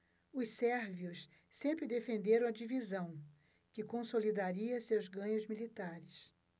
os sérvios sempre defenderam a divisão que consolidaria seus ganhos militares